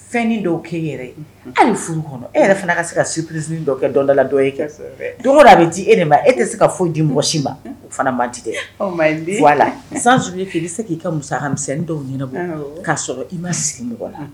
Fɛnin dɔw kɛ i yɛrɛ ye unhun hali furu kɔnɔ e yɛrɛ fana ka se ka surprise nin dɔ kɛ dondɔla dɔ ye kɔsɔbɛ donkɔdon a bɛ di e de ma e tɛ se ka fɔyi di mɔgɔsi ma un o fana mandi dɛ o mandi voilà sans oublier que i bɛ se ka i ka musaka misɛnin dɔw ɲɛnabɔ awɔ k'a sɔrɔ i ma siri mɔgɔ la unhun